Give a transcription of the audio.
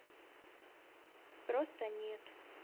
просто нет